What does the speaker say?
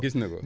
gis na ko